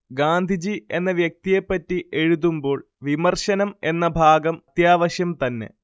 ഗാന്ധിജി എന്ന വ്യക്തിയെ പറ്റി എഴുതുമ്പോൾ വിമർശനം എന്ന ഭാഗം അത്യാവശ്യം തന്നെ